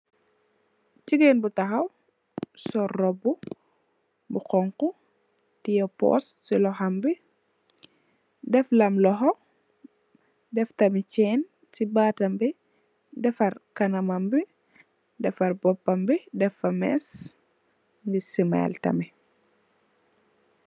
Gigeen bu taxaw sol róbbu bu xonxu teyeh poss ci loxom bi dèf lam loxo dèf tamid cèèn ci batam bi defarr kanamam bi defarr bópambi dèf fa més mugii smile tamid.